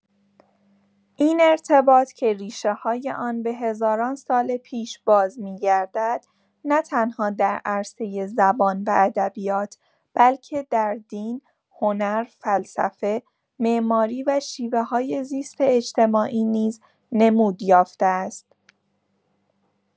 این ارتباط، که ریشه‌های آن به هزاران سال پیش بازمی‌گردد، نه‌تنها در عرصه زبان و ادبیات، بلکه در دین، هنر، فلسفه، معماری و شیوه‌های زیست اجتماعی نیز نمود یافته است.